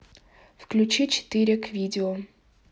включи четыре к видео